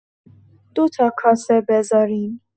دو تا کاسه بذارین.